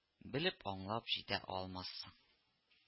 Белеп-аңлап җитә алмассың